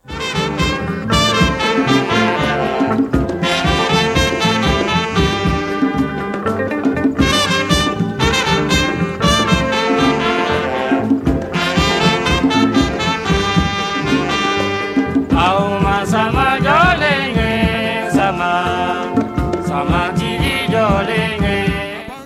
Ɔ ma samajɔlen kɛ sama samatigi jɔlen kɛ